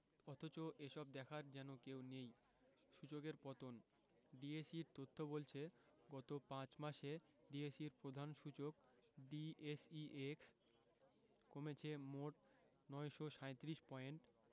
অথচ এসব দেখার যেন কেউ নেই সূচকের পতন ডিএসইর তথ্য বলছে গত ৫ মাসে ডিএসইর প্রধান সূচক ডিএসইএক্স কমেছে মোট ৯৩৭ পয়েন্ট